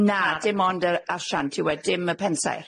Na, dim ond yr asiant yw e, dim y pensaer.